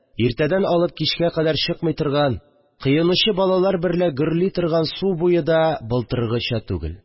Иртәдән алып кичкә кадәр чыкмый торган коенучы балар берлә гөрли торган су буе да былтыргыча түгел